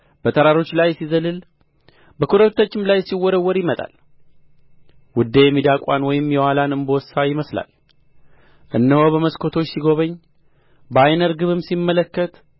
በተራሮች ላይ ሲዘልል በኮረብቶችም ላይ ሲወረወር ይመጣል ውዴ ሚዳቋን ወይም የዋላን እምቦሳ ይመስላል እነሆ በመስኮቶች ሲጐበኝ በዓይነ ርግብም ሲመለከት